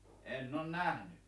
en ole nähnyt